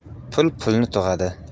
pul pulni tug'adi